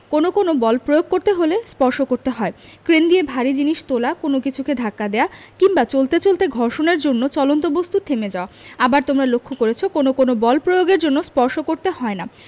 কোনো কোনো বল প্রয়োগ করতে হলে স্পর্শ করতে হয় ক্রেন দিয়ে ভারী জিনিস তোলা কোনো কিছুকে ধাক্কা দেয়া কিংবা চলতে চলতে ঘর্ষণের জন্য চলন্ত বস্তুর থেমে যাওয়া আবার তোমরা লক্ষ করেছ কোনো কোনো বল প্রয়োগের জন্য স্পর্শ করতে হয় না